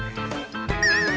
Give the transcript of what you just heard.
hải